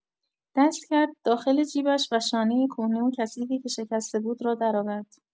دست کرد داخل جیبش و شانۀ کهنه و کثیفی که شکسته بود را درآورد.